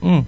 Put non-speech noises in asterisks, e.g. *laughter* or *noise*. *hesitation*